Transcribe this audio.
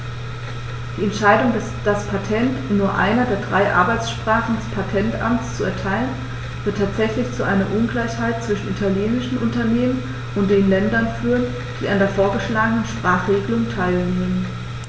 Die Entscheidung, das Patent in nur einer der drei Arbeitssprachen des Patentamts zu erteilen, wird tatsächlich zu einer Ungleichheit zwischen italienischen Unternehmen und den Ländern führen, die an der vorgeschlagenen Sprachregelung teilnehmen.